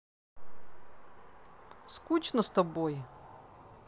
скучно с тобой